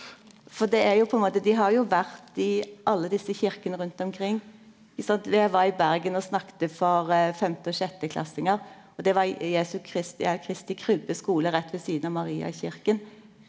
for det er jo på ein måte dei har jo vore i alle desse kyrkjene rundt omkring ikkje sant eg var i Bergen og snakka for femte- og sjetteklassingar og det var i Jesu Kristi nei Kristi krybbe skole rett ved sida av Mariakyrkja.